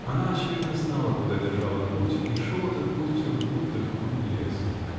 Она, очевидно, знала, куда держала путь -- и шел этот путь все в глубь да в глубь леса.